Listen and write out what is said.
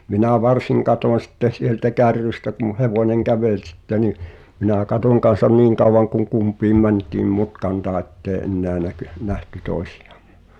minä varsin katsoin sitten sieltä kärrystä kun hevonen käveli sitten niin minä katsoin kanssa niin kauan kuin kumpikin mentiin mutkan taakse että ei enää - nähty toisiamme